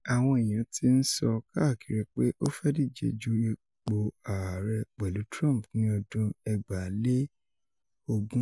Àwọn èèyàn tí n sọ káàkiri pé ó fẹ́ díje ju ipò ààrẹ pẹlú Trump ni ọdún 2020.